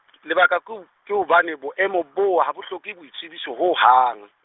lebaka ku-, ke hobane boemo boo ha bo hloke boitsebiso ho hang.